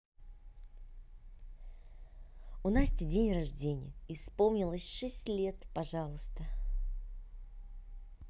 у насти день рождения и вспомнилось шесть лет пожалуйста